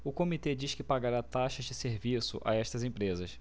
o comitê diz que pagará taxas de serviço a estas empresas